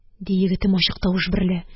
Ди егетем ачык тавыш берлә.